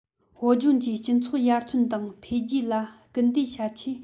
བོད ལྗོངས ཀྱི སྤྱི ཚོགས ཡར ཐོན དང འཕེལ རྒྱས ལ སྐུལ འདེད བྱ ཆེད